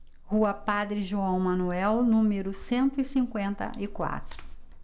rua padre joão manuel número cento e cinquenta e quatro